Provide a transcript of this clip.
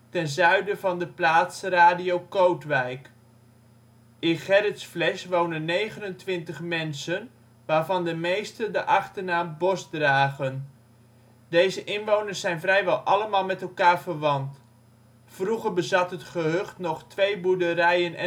ten zuiden van de plaats Radio Kootwijk. In Gerritsflesch wonen 29 mensen waarvan de meeste de achternaam Bos dragen. Deze inwoners zijn vrijwel allemaal met elkaar verwant. Vroeger bezat het gehucht nog twee boerderijen